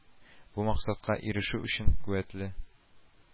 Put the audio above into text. Бу максатка ирешү өчен куәтле